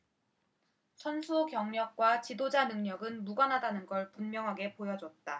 선수 경력과 지도자 능력은 무관하다는 걸 분명하게 보여줬다